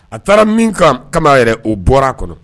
A taara min kan kama yɛrɛ o bɔr'a kɔnɔ